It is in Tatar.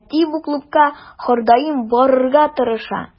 Әти бу клубка һәрдаим барырга тырыша.